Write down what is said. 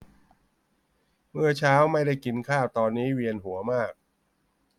เมื่อเช้าไม่ได้กินข้าวตอนนี้เวียนหัวมาก